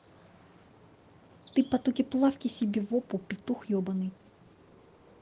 ты потоки плавки себе в опу петух ебаный